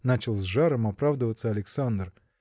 – начал с жаром оправдываться Александр.